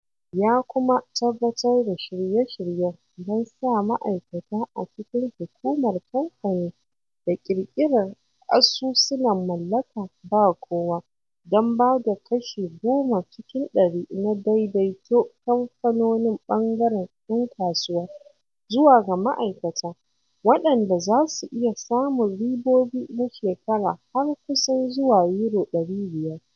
Ya kuma tabbatar da shirye-shiryen don sa ma'aikata a cikin hukumar kamfani da ƙirƙirar Asusunan Mallaka Ba Kowa don ba da kashi 10 cikin ɗari na daidaito kamfanonin ɓangaren 'yan kasuwa zuwa ga ma'aikata, waɗanda za su iya samun ribobi na shekara har kusan zuwa Euro 500.